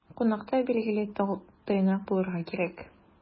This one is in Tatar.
Кунакта, билгеле, тыйнак булырга кирәк.